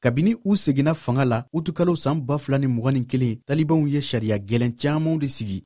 kabini u seginna fanga la utikalo san 2021 talibanw ye sariya gɛlɛn camanw de sigi